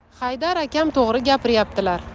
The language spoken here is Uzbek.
haydar akam to'g'ri gapiryaptilar